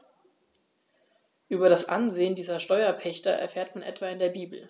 Über das Ansehen dieser Steuerpächter erfährt man etwa in der Bibel.